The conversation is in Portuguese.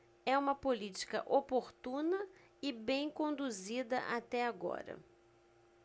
é uma política oportuna e bem conduzida até agora